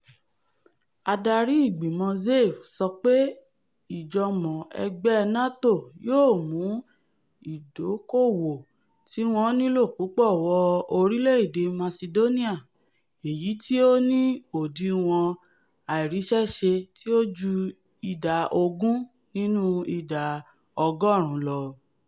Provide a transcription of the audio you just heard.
Adarí Ìgbìmọ̀ Zaev sọ pé ìjọ́mọ-ẹgbẹ́ NATO yóò mú ìdókòòwò tíwọ́n nílò púpọ̀ wọ orílẹ̀-èdè Masidóníà, èyití tí ó ní òdiwọn àìríṣẹ́ṣe tí o ju ìdá ogún nínú ìdá ọgọ́ọ̀rún lọ.